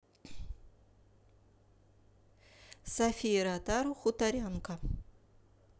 софия ротару хуторянка